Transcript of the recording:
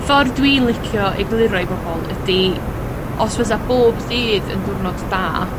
Ffordd dwi'n licio egluro i bobol ydi os fysa bob ddydd yn diwrnod da